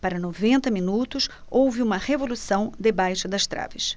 para noventa minutos houve uma revolução debaixo das traves